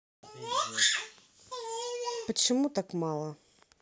почему так мало